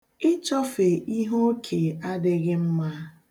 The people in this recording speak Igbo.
Ịchọfe ihe oke adịghị mma.